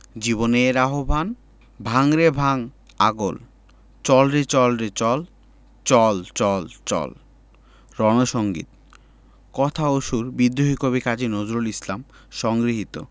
জীবনের আহবান ভাঙ রে ভাঙ আগল চল রে চল রে চল চল চল চল রন সঙ্গীত কথা ও সুর বিদ্রোহী কবি কাজী নজরুল ইসলাম সংগৃহীত